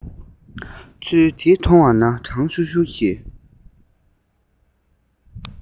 ཚུལ འདི མཐོང བ ན གྲང ཤུར ཤུར གྱི